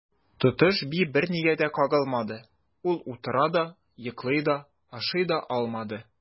Тотыш би бернигә дә кагылмады, ул утыра да, йоклый да, ашый да алмады.